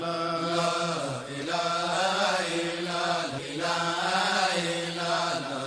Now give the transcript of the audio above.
Sanlala